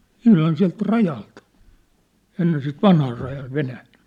ihan sieltä rajalta ennen sitä vanhaa rajaa Venäjään